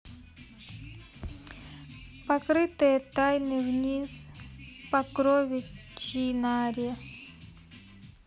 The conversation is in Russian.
покрытая тайной вниз по крови чинаре